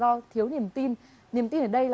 là thiếu niềm tin niềm tin ở đây